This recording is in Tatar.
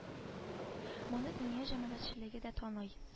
Моны дөнья җәмәгатьчелеге дә таный